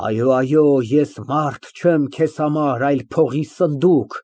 Այո, այո, ես մարդ չեմ քեզ համար, այլ փողի սնդուկ։